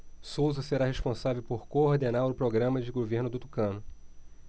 souza será responsável por coordenar o programa de governo do tucano